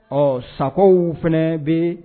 Ɔ sagokɔw fana bɛ